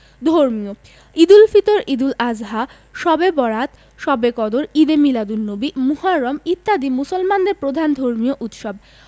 ধর্মীয় Eid-ul-Fitr Eid-ul-Adha Shab-e-Barat Shab-e-Qadr Eid-e-Milad-un-Nabi Muharram ইত্যাদি মুসলমানদের প্রধান ধর্মীয় উৎসব